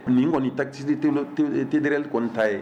Nin kɔniɔnisi te tɛrreli kɔni ta ye